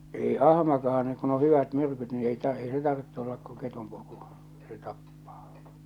ei ahmakaan kun on hyvät myrkyt niin ei - ei se tarvitse olla kuin ketun koku se se tappaa